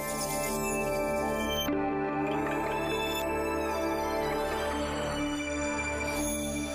Wa